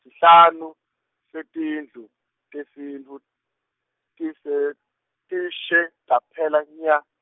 sihlanu, setindlu, tesintfu, tise-, tishe, taphela nya.